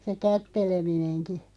se kätteleminenkin